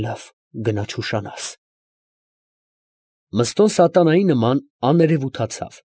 ֊ Լա՛վ, գնա՛, չուշանա՛ս։ Մըստոն սատանայի նման աներևութացավ։